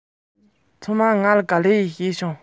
ཐན ཕྲུག དེས ངའི གླུ དབྱངས དེ